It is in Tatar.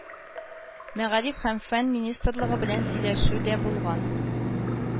Мәгариф һәм фән министрлыгы белән сөйләшү дә булган